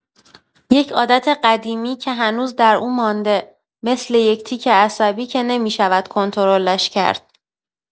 یک عادت قدیمی که هنوز در او مانده، مثل یک تیک عصبی که نمی‌شود کنترلش کرد.